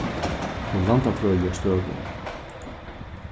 og landafrøðiliga støðu